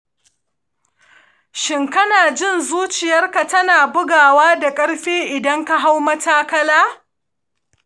shin kana jin zuciyarka tana bugawa da ƙarfi idan ka hau matakala?